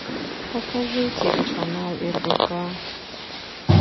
покажи телеканал рбк